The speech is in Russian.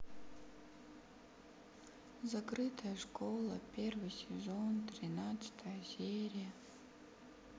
закрытая школа первый сезон тринадцатая серия